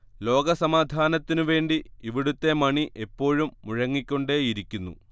ലോക സമാധാനത്തിനു വേണ്ടി ഇവിടുത്തെ മണി എപ്പോഴും മുഴങ്ങിക്കൊണ്ടേയിരിക്കുന്നു